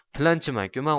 tilanchiman ku man